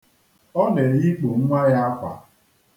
Ọ na-eyikpo nwa ya akwa.